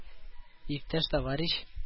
Иптәш-товарищ